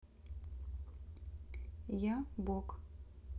я бог